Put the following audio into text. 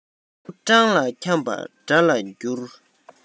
ཕྱུག པོ སྤྲང ལ འཁྱམས པ དགྲ ལ འགྱུར